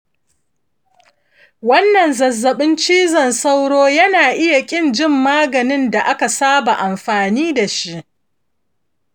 wannan zazzabin cizon sauro yana iya ƙin jin maganin da aka saba amfani da shi.